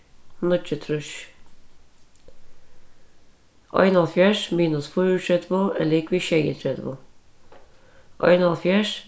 níggjuogtrýss einoghálvfjerðs minus fýraogtretivu er ligvið sjeyogtretivu einoghálvfjerðs